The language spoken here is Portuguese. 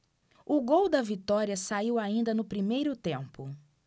o gol da vitória saiu ainda no primeiro tempo